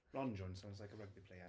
Ron Jones sounds like a rugby player.